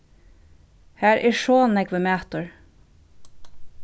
har er so nógvur matur